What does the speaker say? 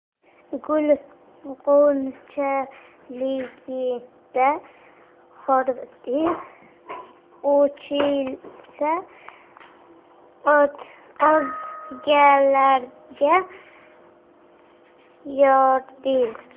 gul g'unchaligida xordir ochilsa o'zgalarga yordir